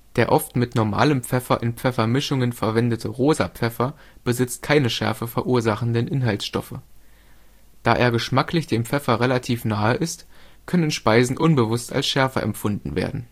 Der oft mit normalem Pfeffer in Pfeffermischungen verwendete rosa Pfeffer besitzt keine Schärfe verursachenden Inhaltsstoffe. Da er geschmacklich dem Pfeffer relativ nahe ist, können Speisen unbewusst als schärfer empfunden werden